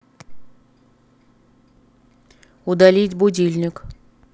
удалить будильник